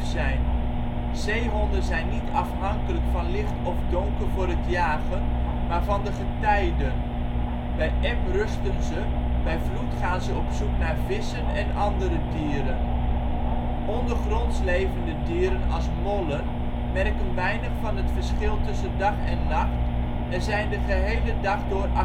zijn. Zeehonden zijn niet afhankelijk van licht of donker voor het jagen, maar van de getijden. Bij eb rusten ze, bij vloed gaan ze op zoek naar vissen en andere dieren. Ondergronds levende dieren als mollen merken weinig van het verschil tussen dag en nacht en zijn de gehele dag door actief